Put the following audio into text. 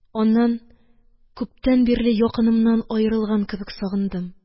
Аннан күптән бирле якынымнан аерылган кебек сагындым